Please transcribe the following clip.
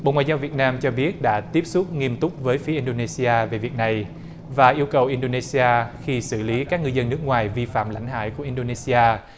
bộ ngoại giao việt nam cho biết đã tiếp xúc nghiêm túc với phía in đô nê xi a về việc này và yêu cầu in đô nê xi a khi xử lý các ngư dân nước ngoài vi phạm lãnh hải của in đô nê xi a